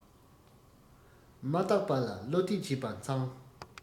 མ བརྟག པ ལ བློ གཏད བྱེད པ མཚང